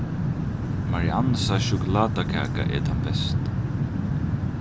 mariannusa sjokulátakaka er tann besta